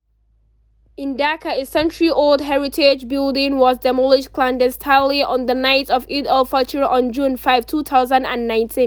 In Dhaka, a century-old heritage building was demolished clandestinely on the night of Eid-ul-Fitr on June 5, 2019.